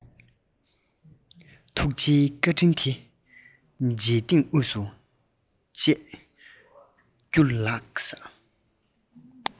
ཐུགས བརྗེའི བཀའ དྲིན དེ མི བརྗེད སྙིང དབུས སུ བཅས རྒྱུ ལགས